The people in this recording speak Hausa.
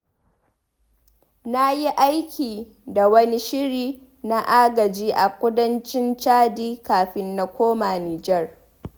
Na yi aiki a wani shiri na agaji a Kudancin Chadi kafin na koma Nijar.